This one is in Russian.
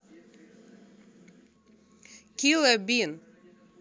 killer bean